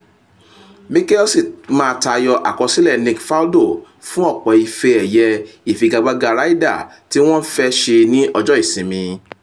Mickelson máa tayọ àkọsílẹ̀ Nick Faldo fúnọ̀pọ̀ Ife ẹ̀yẹ ìfigagbaga Ryder tí wọ́n fẹ́ ṣe ní Ọjọ́ ìsinmi.